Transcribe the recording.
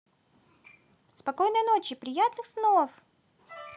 спокойной ночи приятных снов